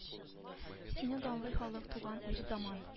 Сине данлый халык туган ир заман